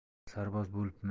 sarboz bo'libmi